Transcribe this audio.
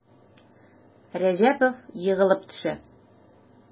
Рәҗәпов егылып төшә.